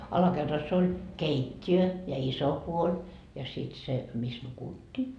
alakerrassa oli keittiö ja iso puoli ja sitten se missä nukuttiin